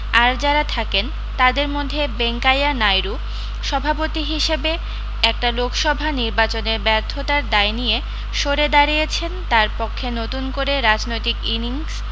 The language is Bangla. আর যারা থাকেন তাদের মধ্যে বেঙ্কাইয়া নায়ডু সভাপতি হিসাবে একটা লোকসভা নির্বাচনের ব্যর্থতার দায় নিয়ে সরে দাঁড়িয়েছেন তার পক্ষে নতুন করে রাজনৈতিক ইনিংস